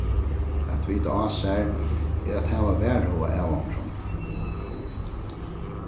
at vita á sær er at hava varhuga av onkrum